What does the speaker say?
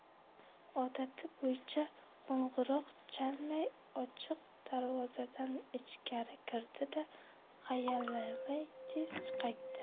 odati bo'yicha qo'ng'iroq chalmay ochiq darvozadan ichkari kirdi da hayallamay tez qaytdi